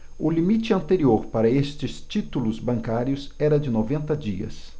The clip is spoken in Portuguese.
o limite anterior para estes títulos bancários era de noventa dias